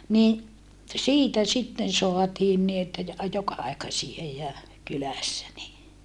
niin siitä sitten saatiin niin että ja joka-aikaisia ja kylässä niin